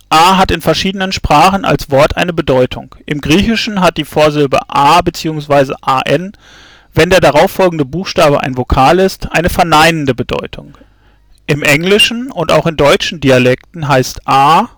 A hat in verschiedenen Sprachen als Wort eine Bedeutung. Im Griechischen hat die Vorsilbe a - bzw. an -, wenn der darauffolgende Buchstabe ein Vokal ist, eine verneinende Bedeutung. Im Englischen und auch in deutschen Dialekten heißt a